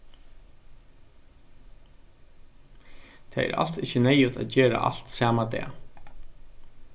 tað er als ikki neyðugt at gera alt sama dag